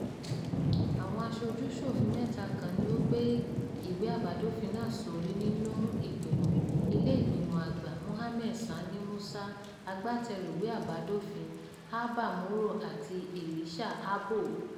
Àwọn aṣojú-ṣòfin mẹ́ta kan ni ó gbé ìwé àbádòfin náà sórí nínú ìgbìmọ̀, ilé ìgbìmọ̀ àgbà: Mohammed Sani Musa (agbátẹrùu ìwé àbádòfin), Abba Moro àti Elisha Abbo.